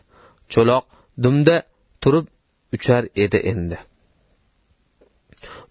cho'loq dumda turib uchar edi endi